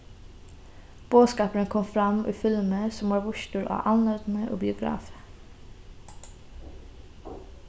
boðskapurin kom fram í filmi sum varð vístur á alnótini og biografi